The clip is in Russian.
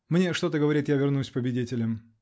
Мне что-то говорит: я вернусь победителем!